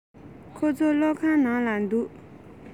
ཁོ ཚོ སློབ ཁང ནང ལ འདུག